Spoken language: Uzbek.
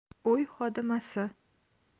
uy xodimasi